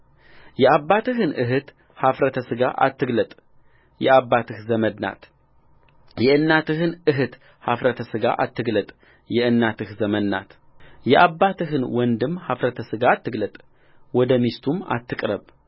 የአባትህን እኅት ኃፍረተ ሥጋ አትግለጥ የአባትህ ዘመድ ናትየእናትህን እኅት ኃፍረተ ሥጋ አትግለጥ የእናትህ ዘመድ ናትየአባትህን ወንድም ኃፍረተ ሥጋ አትግለጥ ወደ ሚስቱም አትቅረብ